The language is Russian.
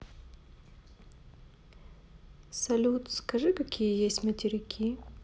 салют скажи какие есть материки